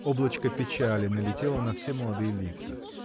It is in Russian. Облачко печали налетело на все молодые лица.